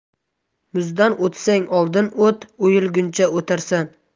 muzdan o'tsang oldin o't o'yilguncha o'tarsan